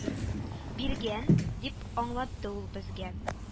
Биргән, дип аңлатты ул безгә